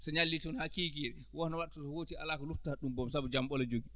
so ñallii toon haa kiikiiɗe oon wattu so hootii alaa ko luttata ɗum toon sabu jam ɓolo jogii